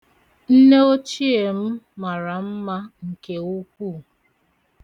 Nneochie m mara mma nke ukwuu.